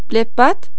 بليبات